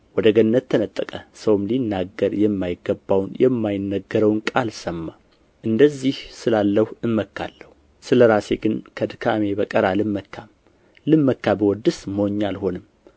ወደ ገነት ተነጠቀ ሰውም ሊናገር የማይገባውን የማይነገረውን ቃል ሰማ እንደዚህ ስላለው እመካለሁ ስለ ራሴ ግን ከድካሜ በቀር አልመካም ልመካ ብወድስ ሞኝ አልሆንም